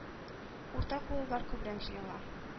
Уртакуллылар күбрәк җыела.